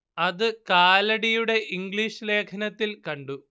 അത് കാലടിയുടെ ഇംഗ്ലീഷ് ലേഖനത്തിൽ കണ്ടു